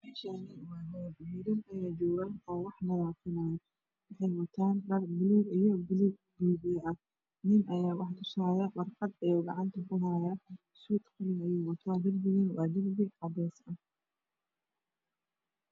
Meshani waa mel wll aya jogan oo wax nadafinayo waxey watan dhar baluug io baluug biyobiyo ah nin aya wax tusaayo warqad ayoow gacanta kuhaya suud qalin ah ayow wata darbigan waa dirbi cades ah